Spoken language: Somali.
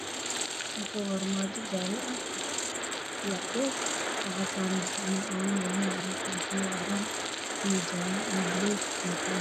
Halkaani waa armajo jala ah iyo cadees waxaa saran gasacman cano ah ilmaha caruurta la siiyo oo cadan iyo jale baluug